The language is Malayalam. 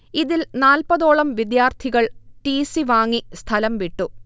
ഇതിൽ നാല്പതോളം വിദ്യാർത്ഥികൾ ടി സി വാങ്ങി സ്ഥലം വിട്ടു